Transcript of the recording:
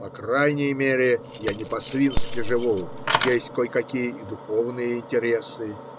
По крайней мере я не по-свински живу, есть кое-какие и духовные интересы